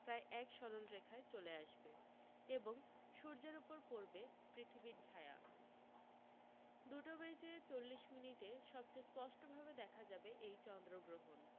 প্রায় এক সরলরেখায় চলে আসবে এবং সূর্যের উপর পড়বে পৃথিবীর ছায়া দুটো বেজে চল্লিশ মিনিটে সবচেয়ে স্পষ্টভাবে দেখা যাবে এই চন্দ্রগ্রহণ